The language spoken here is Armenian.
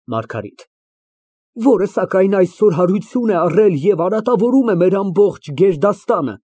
ՄԱՐԳԱՐԻՏ ֊ Որը սակայն այսօր հարություն է առել և արատավորում է մեր ամբողջ գերդաստանը։